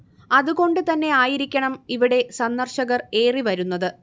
അത് കൊണ്ട് തന്നെ ആയിരിക്കണം ഇവിടെ സന്ദർശകർ ഏറിവരുന്നത്